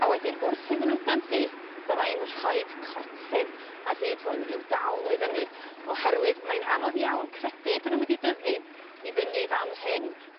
a wedyn wrth iddyn n'w dyfu fydda i'n rhoid cortyn ar hyd hwn i'w dal n'w i fyny oherwydd mae'n anodd iawn credu bo' n'w mynd i dyfu i fyny i fan hyn